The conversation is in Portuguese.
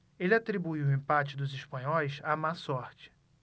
ele atribuiu o empate dos espanhóis à má sorte